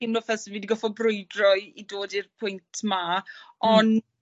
teimlo fel sa fi goffod brwydro i i dod i'r pwynt 'ma on'